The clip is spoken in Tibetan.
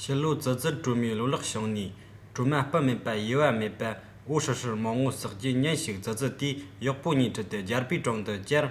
ཕྱི ལོ ཙི ཙིར གྲོ མའི ལོ ལེགས བྱུང ནས གྲོ མ སྤུ མེད པ ཡུ བ མེད པ འོད ཧྲིལ ཧྲིལ མང མོ བསགས རྗེས ཉིན ཞིག ཙི ཙི དེས གཡོག པོ གཉིས ཁྲིད དེ རྒྱལ པོའི དྲུང དུ བཅར